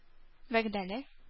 Вәгъдәле